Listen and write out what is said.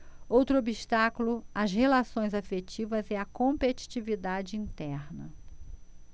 outro obstáculo às relações afetivas é a competitividade interna